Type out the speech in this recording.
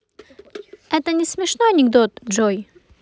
это не смешной анекдот джой